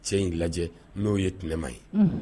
Cɛ in lajɛ n'o ye tɛnɛ ma ye